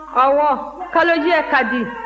ɔwɔ kalojɛ ka di